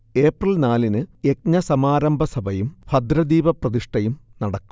April നാലിന് യജ്ഞസമാരംഭസഭയും ഭദ്രദീപ പ്രതിഷ്ഠയും നടക്കും